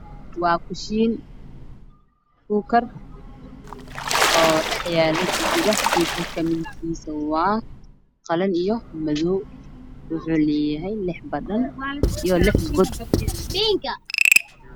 Waa kushiin kuukar oo yaalo jijada kuukarka midabkiisu waa qalin iyo madow wuxuu leeyahay lix badhan iyo lix god